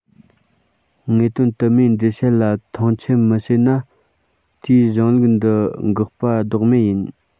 དངོས དོན དུ མའི འགྲེལ བཤད ལ མཐོང ཆེན མི བྱེད ན དེས གཞུང ལུགས འདི དགག པ ལྡོག མེད ཡིན